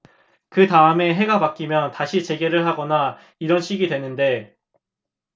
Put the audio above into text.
그 다음에 해가 바뀌면 다시 재개를 하거나 이런 식이 되는데